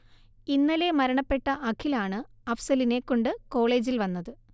ഇന്നലെ മരണപ്പെട്ട അഖിൽ ആണ് അഫ്സലിനെ കൊണ്ട് കോളേജിൽ വന്നത്